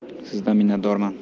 sizdan minnatdorman